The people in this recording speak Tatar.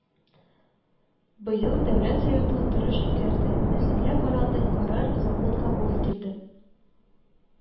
“быел дәүләт советы утырыш үткәрде, мәсьәлә каралды, карар, закон кабул ителде